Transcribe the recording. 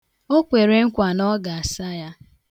O kwere nkwa na ọ ga-asa ya.